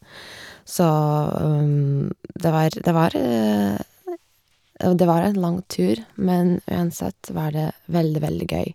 så det var det var og det var en lang tur, men uansett var det veldig, veldig gøy.